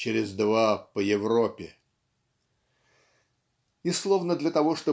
через два по Европе?" И словно для того